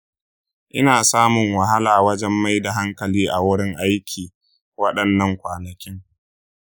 ina samun wahala wajen mai da hankali a wurin aiki waɗannan kwanakin.